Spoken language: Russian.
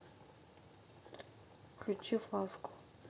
включи фласку